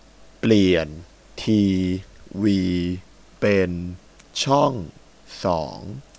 เปลี่ยนทีวีเป็นช่องสอง